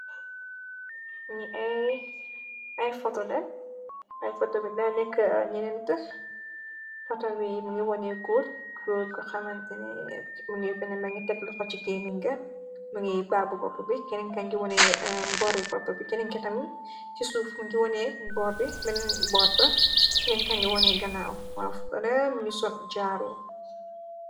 ñi aay foto bi da nekk ñenent fotawey mi ngi wone gur bor g xamantnemgy ngi teg loxo ci géeminga mi ngiy babu popp bi keninkangi wone bori bopp bi keninketam ci suuf ngi wone enen borb keninka ngi wone ganaaw wa fotole miñu sool jaaru